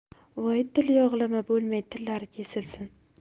voy tilyog'lama bo'lmay tillari kesilsin